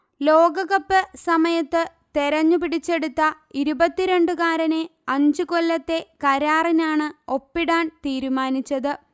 ലോകകപ്പ് സമയത്ത് തെരഞ്ഞു പിടിച്ചെടുത്ത ഇരുപത്തിരണ്ടുകാരനെ അഞ്ചു കൊല്ലത്തെ കരാറിനാണ് ഒപ്പിടാൻതീരുമാനിച്ചത്